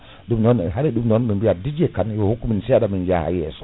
ɗum noon haade ɗum noon min biya Dj Kane yo hokku min seeɗa min jaa ha yesso